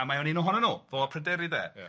A mae o'n un ohonyn nhw, fo'dd Pryderi de. Ia.